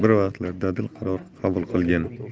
bir vaqtlar dadil qaror qabul qilgan